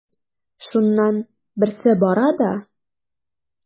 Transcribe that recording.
Шуннан берсе бара да:.